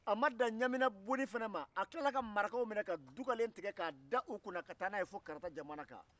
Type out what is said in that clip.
a ma dan ɲamina bonni ma a tilara ka marakaw minɛ ka dugalen tigɛ ka da u kun ka taa n'a ye fo karata jamana kan